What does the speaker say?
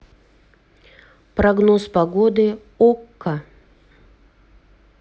прогноз погоды окко